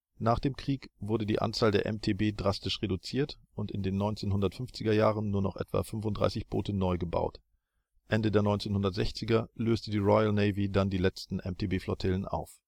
Nach dem Krieg wurde die Anzahl der MTB drastisch reduziert und in den 1950er Jahren nur noch etwa 35 Boote neu gebaut. Ende der 1960er löste die Royal Navy dann die letzten MTB-Flottillen auf